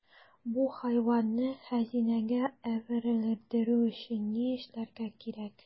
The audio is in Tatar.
Бу хайванны хәзинәгә әверелдерү өчен ни эшләргә кирәк?